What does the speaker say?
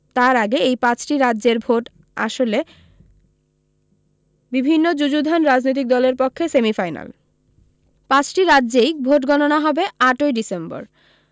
তার আগে এই পাঁচটি রাজ্যের ভোট আসলে বিভিন্ন যু্যুধান রাজনৈতিক দলের পক্ষে সেমিফাইনাল পাঁচটি রাজ্যেই ভোটগণনা হবে আটৈ ডিসেম্বর